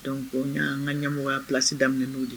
Donc ko ɲa an ka ɲamɔgɔ place daminɛ n'o de ye